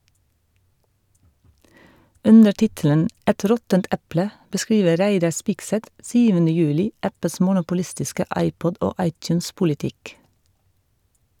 Under tittelen «Et råttent eple» beskriver Reidar Spigseth 7. juli Apples monopolistiske iPod- og iTunes-politikk.